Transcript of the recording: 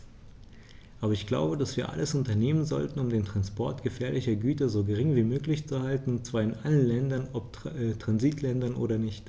Aber ich glaube, dass wir alles unternehmen sollten, um den Transport gefährlicher Güter so gering wie möglich zu halten, und zwar in allen Ländern, ob Transitländer oder nicht.